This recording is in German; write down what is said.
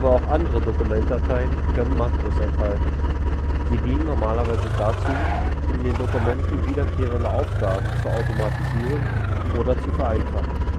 auch andere Dokumentdateien können Makros enthalten. Sie dienen normalerweise dazu, in den Dokumenten wiederkehrende Aufgaben zu automatisieren oder zu vereinfachen